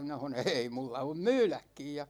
minä sanoin ei minulla on myydäkin ja